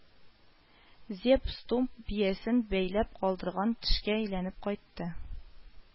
Зеб Стумп биясен бәйләп калдырган төшкә әйләнеп кайтты